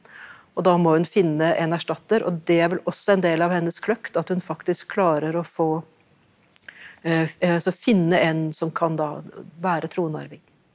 og da må hun finne en erstatter og det er vel også en del av hennes kløkt, at hun faktisk klarer å få altså finne en som kan da være tronarving.